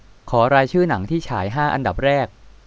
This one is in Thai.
ขอรายชื่อหนังที่ฉายห้าอันดับแรก